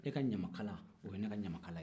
e ka ɲamakala o ye ne ka ɲamakala ye